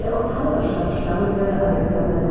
aus Halberstadt stammende Alexander